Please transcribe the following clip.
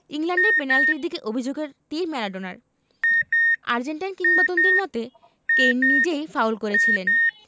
ইংল্যান্ডের পেনাল্টির দিকে অভিযোগের তির ম্যারাডোনার আর্জেন্টাইন কিংবদন্তির মতে কেইন নিজেই ফাউল করেছিলেন